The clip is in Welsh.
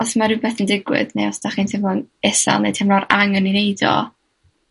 os ma' rwbeth yn digwydd, neu os 'dach chi'n teimlo'n isel neu teimlo'r angen i neud o